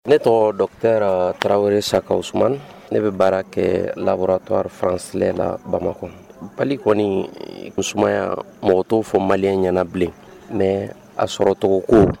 Ne tɔ dɔ kɛra tarawele wɛrɛ saka osumana ne bɛ baara kɛ laratɔ fansila bamakɔ bali kɔni kusuma mɔgɔ to fɔ mali ɲɛna bilen n a sɔrɔcogo ko